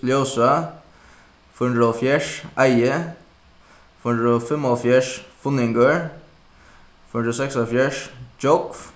ljósá fýra hundrað og hálvfjerðs eiði fýra hundrað og fimmoghálvfjerðs funningur fýra hundrað og seksoghálvfjerðs gjógv